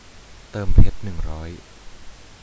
เติมเพชรหนึ่งร้อย